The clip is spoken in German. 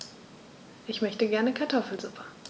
Ich möchte gerne Kartoffelsuppe.